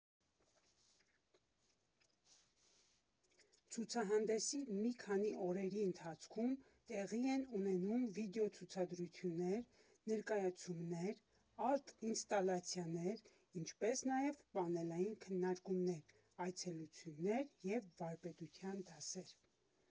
Ցուցահանդեսի մի քանի օրերի ընթացքում տեղի են ունենում վիդեո֊ցուցադրություններ, ներկայացումներ, արտ֊ինստալացիաներ, ինչպես նաև պանելային քննարկումներ, այցելություններ և վարպետության դասեր։